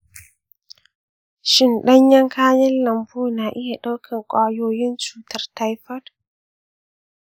shin ɗanyen kayan lambu na iya daukan kwayoyin cutar taifoid?